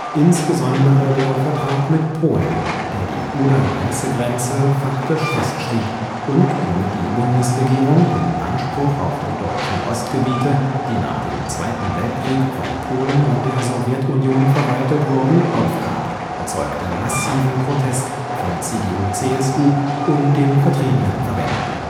Insbesondere der Vertrag mit Polen, der die Oder-Neiße-Grenze faktisch festschrieb und womit die Bundesregierung den Anspruch auf die deutschen Ostgebiete, die nach dem Zweiten Weltkrieg von Polen und der Sowjetunion verwaltet wurden, aufgab, erzeugte massiven Protest von CDU/CSU und den Vertriebenenverbänden